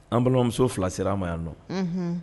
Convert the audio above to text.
An balimamuso 2 sera an ma yan nɔn, unhun